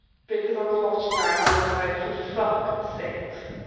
Because I was watching that, and I was just like, for fuck sakes.